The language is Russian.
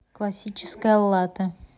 классическое латте